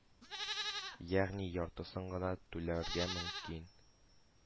Ягъни яртысын гына түләргә мөмкин.